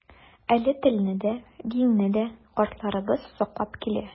Әле телне дә, динне дә картларыбыз саклап килә.